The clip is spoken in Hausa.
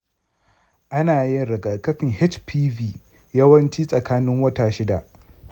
ana yin rigakafin hpv yawanci tsakanin wata shida.